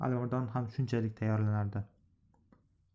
alimardon ham shunchalik tayyorlanardi